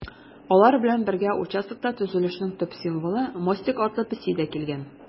Алар белән бергә участокта төзелешнең төп символы - Мостик атлы песи дә килгән.